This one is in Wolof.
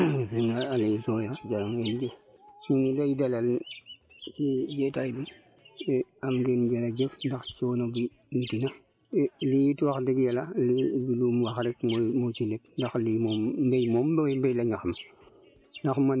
Aliou Sow jaa ngeen jëf ñu ngi lay dalal ci jotaay bi am ngeen jërëjëf ndax suuna bi mucc na lii it wax dëgg yàlla li Ibou Loum wax rek mooy moo ci nekk ndax lii moom mbéy moom Ndoye mbéy la ñu xam